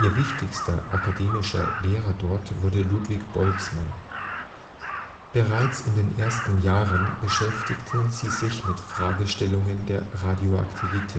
wichtigster akademischer Lehrer dort wurde Ludwig Boltzmann. Bereits in den ersten Jahren beschäftigte sie sich mit Fragestellungen der Radioaktivität